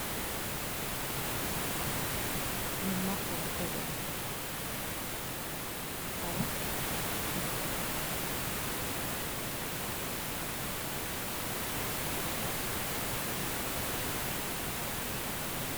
Li martó bu tégu la, martó la bu tégu.